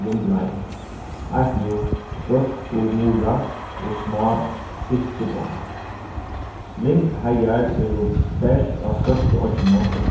eitt nú børkumura og smá silkibond lyngheiðar eru bert á størstu oyggjunum og